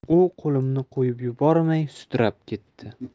u qo'limni qo'yib yubormay sudrab ketdi